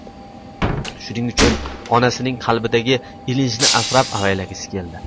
shuning uchun onasining qalbidagi ilinjni asrab avaylagisi keldi